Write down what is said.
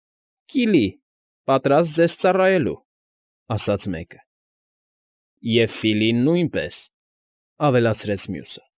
Կիլի, պատրաստ ձեզ ծառայելու, ֊ ասաց մեկը։ ֊ Եվ Ֆիլին նույնպես, ֊ ավարտեց մյուսը։